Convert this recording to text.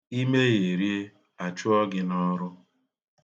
I megherie, a chụọ gị n'ọrụ